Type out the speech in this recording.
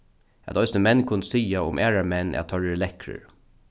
at eisini menn kunnu siga um aðrar menn at teir eru lekkrir